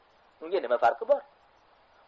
unga nima farqi bor